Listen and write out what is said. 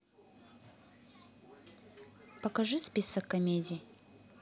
покажи список комедий